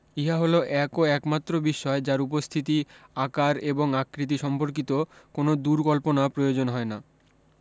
ইহা হল এক ও একমাত্র বিসময় যার উপস্থিতি আকার এবং আকৃতি সম্পর্কিত কোনো দূরকল্পনা প্রয়োজন হয় না